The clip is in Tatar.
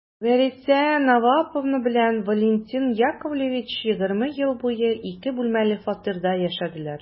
Вәриса Наваповна белән Валентин Яковлевич егерме ел буе ике бүлмәле фатирда яшәделәр.